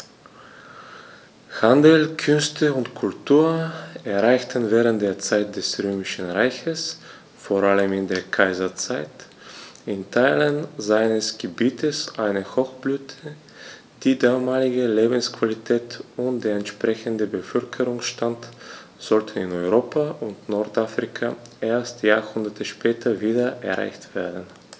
Handel, Künste und Kultur erreichten während der Zeit des Römischen Reiches, vor allem in der Kaiserzeit, in Teilen seines Gebietes eine Hochblüte, die damalige Lebensqualität und der entsprechende Bevölkerungsstand sollten in Europa und Nordafrika erst Jahrhunderte später wieder erreicht werden.